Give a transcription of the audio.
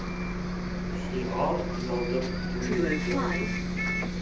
shior yozib qo'yilgandi